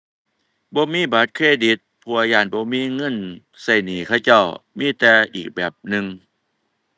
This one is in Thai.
บ่มีบัตรเครดิต เพราะว่าย้านบ่มีเงินใช้หนี้เขาเจ้า มีแต่อีกแบบหนึ่ง